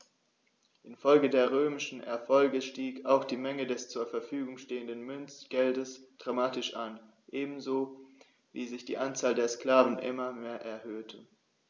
Infolge der römischen Erfolge stieg auch die Menge des zur Verfügung stehenden Münzgeldes dramatisch an, ebenso wie sich die Anzahl der Sklaven immer mehr erhöhte.